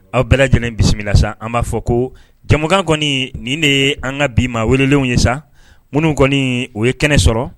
Aw bɛɛ lajɛlen bisimila sa an b'a fɔ koo jamukan kɔnii nin de ye an ŋa bi maa weelelenw ye sa minnu kɔnii u ye kɛnɛ sɔrɔ